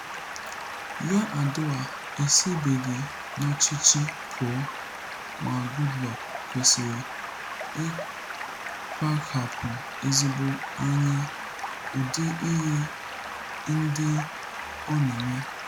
Yar'adua esibeghị n'ọchịchị pụọ ma Goodluck kweiri ịkpachapụ ezigbo anya ụdị ihe ndị ọ na-eme.